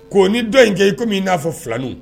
Ko ni dɔ in kɛ i komi min i n'a fɔ filanin